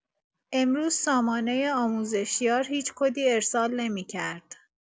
امروز سامانه آموزشیار هیچ کدی ارسال نمی‌کرد